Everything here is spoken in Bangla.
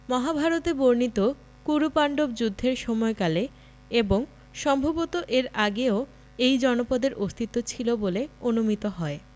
মহাভারতে বর্ণিত কুরুপান্ডব যুদ্ধের সময়কালে এবং সম্ভবত এর আগেও এই জনপদের অস্তিত্ব ছিল বলে অনুমিত হয়